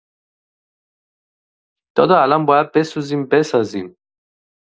دادا الان باید بسوزیم و بسازیم